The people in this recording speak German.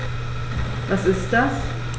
Was ist das?